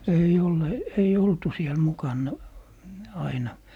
ei ole ei oltu siellä mukana aina